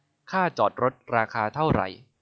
ค่าจอดรถราคาเท่าไหร่